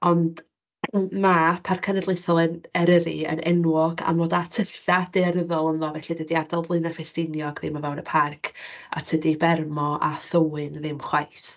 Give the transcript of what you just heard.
Ond ma' parc cenedlaethol e- Eryri yn enwog am fod â tylla daearyddol ynddo, felly dydy adael Blaena Ffestiniog ddim o fewn y parc, a tydy Bermo a Thywyn ddim chwaith.